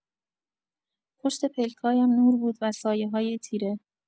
پشت پلک‌هایم نور بود و سایه‌‌های تیره.